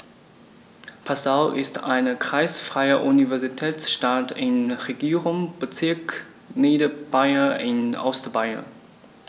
Passau ist eine kreisfreie Universitätsstadt im Regierungsbezirk Niederbayern in Ostbayern.